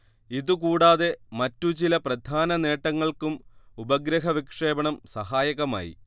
ഇതുകൂടാതെ മറ്റു ചില പ്രധാന നേട്ടങ്ങൾക്കും ഉപഗ്രഹവിക്ഷേപണം സഹായകമായി